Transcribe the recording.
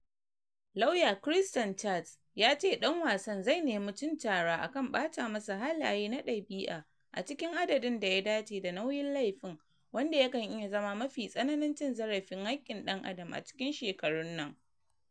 Lawyer Christian Schertz ya ce dan wasan zai nemi cin tara akan “ɓata masa halaye na dabi'a, a cikin adadin da ya dace da nauyin laifin, wanda yakan iya zama mafi tsananin cin zarafin haƙin ɗan adam a cikin shekarun nan.”